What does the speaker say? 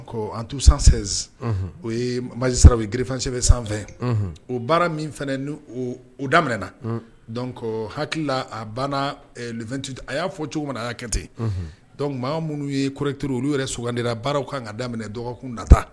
Antuu san o ye ma sara bɛ girifasɛ sanfɛ o baara min fana ni o daminɛɛna hakilila a t a y'a fɔ cogo min na'a kɛ ten dɔnkuc makan minnu ye koɔritur olu yɛrɛ sugandira baaraw kan ka daminɛ dɔgɔkun nata